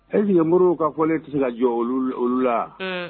E sigilenmo ka fɔ ne tɛ se ka jɔ olu la